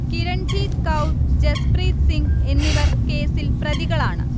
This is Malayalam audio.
കിരൺജീത് കൗർ, ജസ്പ്രീത് സിങ് എന്നിവർ കേസിൽ പ്രതികളാണ്